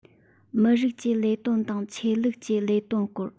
མི རིགས ཀྱི ལས དོན དང ཆོས ལུགས ཀྱི ལས དོན སྐོར